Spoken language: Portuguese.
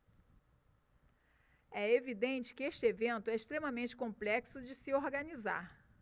é evidente que este evento é extremamente complexo de se organizar